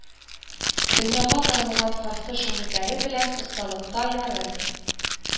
Дөньяга танылган фарсы шагыйрьләре белән осталыкта яры